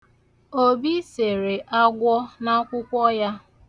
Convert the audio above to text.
Obi sere agwọ n'akwụkwọ ya.